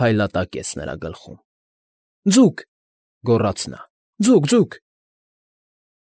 Փայլատակեց նրա գլխում։֊ Ձո՛ւկ,֊ գոռաց նա։֊ Ձո՛ւկ, ձուկ։